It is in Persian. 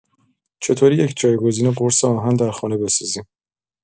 چطوری یک جایگزین قرص آهن، در خانه بسازیم؟